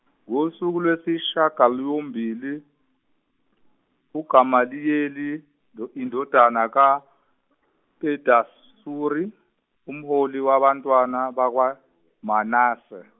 ngosuku Iwesishiyagalombili uGamaliyeli do- indodana kaPedasuri umholi wabantwana bakwaManase.